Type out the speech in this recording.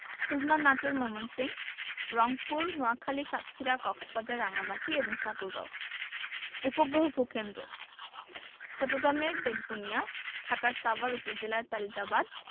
খুলনা নাটোর ময়মনসিংহ রংপুর নোয়াখালী সাতক্ষীরা কক্সবাজার রাঙ্গামাটি এবং ঠাকুরগাঁও উপগ্রহ ভূ কেন্দ্রঃ চট্টগ্রামের বেতবুনিয়া ঢাকার সাভার উপজেলায় তালিবাবাদ